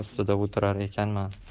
ustida o'tirar ekanman